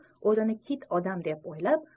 o'zini kit odam deb o'ylab